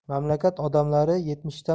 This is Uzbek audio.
mamlakat odamlari yetmishdan